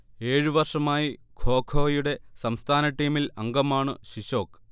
ഏഴു വർഷമായി ഖോഖൊയുടെ സംസ്ഥാന ടീമിൽ അംഗമാണു ശിശോക്